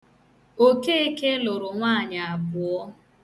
Okeeke lụrụ nwaanyị abụọ.